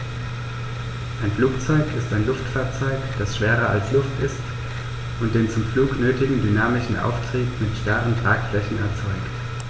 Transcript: Ein Flugzeug ist ein Luftfahrzeug, das schwerer als Luft ist und den zum Flug nötigen dynamischen Auftrieb mit starren Tragflächen erzeugt.